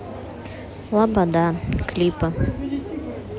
лобода клипы